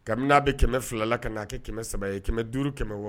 Kabini n'a bɛ kɛmɛ fila ka n'a kɛ kɛmɛ saba ye kɛmɛ duuru kɛmɛ wa